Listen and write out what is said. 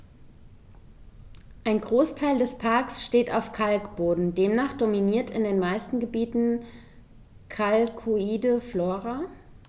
Ein Großteil des Parks steht auf Kalkboden, demnach dominiert in den meisten Gebieten kalkholde Flora.